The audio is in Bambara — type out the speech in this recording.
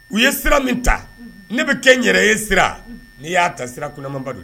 U ye sira min ta ,ne bɛ kɛ n yɛrɛ ye sira, n'i y'a ta sira kunamanba don.